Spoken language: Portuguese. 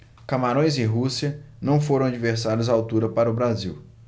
camarões e rússia não foram adversários à altura para o brasil